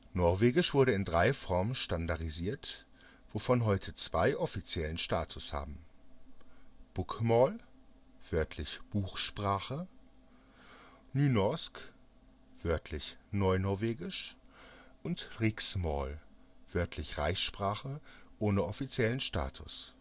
Norwegisch wurde in drei Formen standardisiert, wovon heute zwei offiziellen Status haben: Bokmål (wörtl.: Buchsprache) Nynorsk (wörtl.: Neunorwegisch) Riksmål (wörtl.: Reichssprache; ohne offiziellen Status